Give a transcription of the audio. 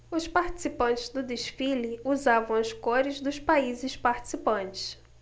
os participantes do desfile usavam as cores dos países participantes